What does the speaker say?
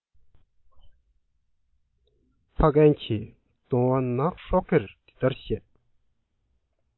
ཕ རྒན གྱིས གདོང བ ནག རོག གེར དེ ལྟར བཤད